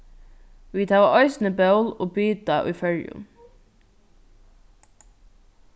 vit hava eisini ból og bita í føroyum